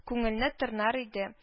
Күңелне тырнар иде